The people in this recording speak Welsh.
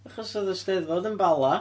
Achos oedd y Steddfod yn Bala.